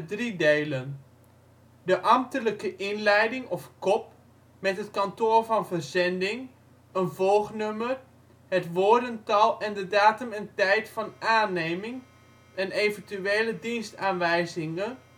drie delen: de ambtelijke inleiding of ‘kop’ met het kantoor van verzending, een volgnummer, het woordental en de datum en tijd van aanneming en eventuele dienstaanwijzingen